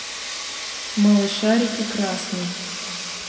малышарики красный